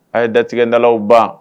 A' ye datigɛndalaw ban